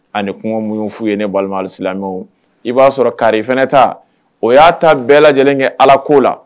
Ani kɔnkɔn muɲu fu ye ne balima al silamɛw i b'a sɔrɔ kaari fana ta o y'a ta bɛɛ lajɛlen kɛ alako la